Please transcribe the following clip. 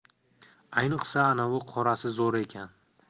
ayniqsa anavi qorasi zo'r ekan